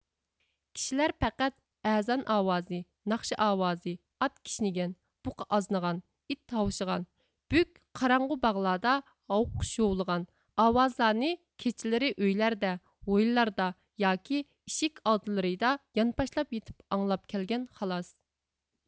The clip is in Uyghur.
كىشىلەر پەقەت ئەزان ئاۋازى ناخشا ئاۋازى ئات كىشنىگەن بۇقا ئازنىغان ئىت ھاۋشىغان بۈك قاراڭغۇ باغلاردا ھۇۋقۇش ھۇۋلىغان ئاۋازلارنى كېچىلىرى ئۆيلەردە ھويلىلاردا ياكى ئىشىكى ئالدىلىرىدا يانپاشلاپ يېتىپ ئاڭلاپ كەلگەن خالاس